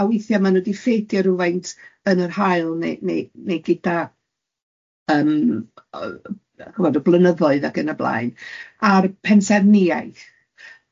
a weithiau maen nhw di ffedio rywfaint yn yr haul neu neu neu gyda yym yy chibod y blynyddoedd ac yn y blaen, a'r pensaernïau,